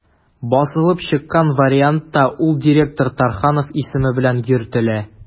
Басылып чыккан вариантта ул «директор Тарханов» исеме белән йөртелә.